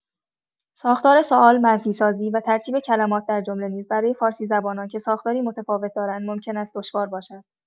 ساختار سوال، منفی‌سازی، و ترتیب کلمات در جمله نیز برای فارسی زبانان که ساختاری متفاوت دارند، ممکن است دشوار باشد.